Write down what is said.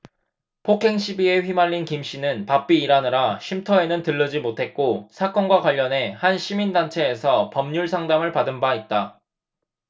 폭행시비에 휘말린 김씨는 바삐 일하느라 쉼터에는 들르지 못했고 사건과 관련해 한 시민단체에서 법률상담을 받은 바 있다